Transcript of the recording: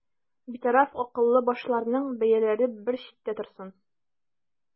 Битараф акыллы башларның бәяләре бер читтә торсын.